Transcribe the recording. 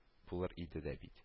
Булыр иде дә бит